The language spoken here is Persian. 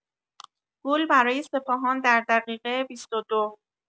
گل برای سپاهان در دقیقه ۲۲